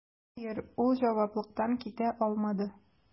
Хәер, ул җаваплылыктан китә алмады: